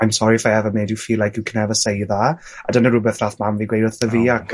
I'm sorry if I ever made you feel like you can never say tah, a dyna rwbeth nath mam fi gweud wrth a fi ac...